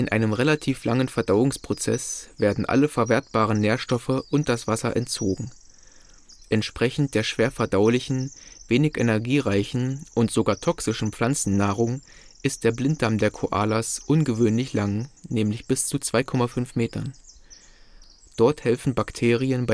einem relativ langen Verdauungsprozess werden alle verwertbaren Nährstoffe und das Wasser entzogen. Entsprechend der schwerverdaulichen, wenig energiereichen und sogar toxischen Pflanzennahrung ist der Blinddarm der Koalas ungewöhnlich lang (bis 2,5 m). Dort helfen Bakterien